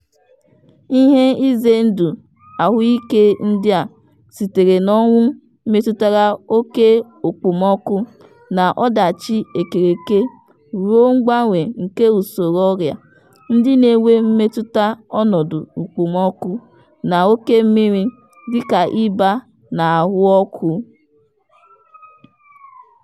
Ihe ize ndụ ahụike ndị a sitere n'ọnwụ metụtara oke okpomọkụ na ọdachi ekereke ruo mgbanwe nke usoro ọrịa ndị na-enwe mmetụta ọnọdụ okpomọkụ na oke mmiri, dịka ịba na ahụọkụ.